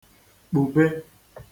kpùbe